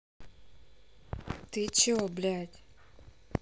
ты че блядь